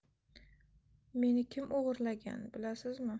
meni kim o'g'irlagan bilasizmi